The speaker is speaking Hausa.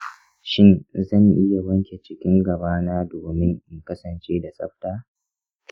shin zan iya wanke cikin gabana domin in kasance da tsafta?